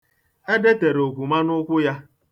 Ede tere okwuma n'ụkwụ ya.